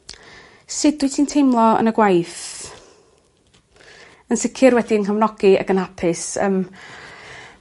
Sut wyt ti'n teimlo yn y gwaith? Yn sicir wedi 'yn nghefnogi ac yn apus yym